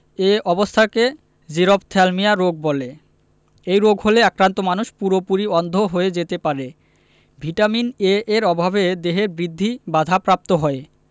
এ অবস্থাকে জেরপ্থ্যালমিয়া রোগ বলে এই রোগ হলে আক্রান্ত মানুষ পুরোপুরি অন্ধ হয়ে যেতে পারে ভিটামিন এ এর অভাবে দেহের বৃদ্ধি বাধাপ্রাপ্ত হয়